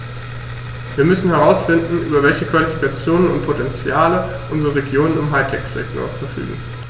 Wir müssen herausfinden, über welche Qualifikationen und Potentiale unsere Regionen im High-Tech-Sektor verfügen.